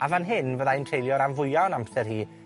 A fan hyn fyddai'n treulio ran fwya o'n amser i